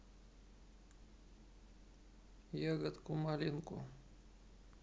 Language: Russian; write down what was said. ягодку малинку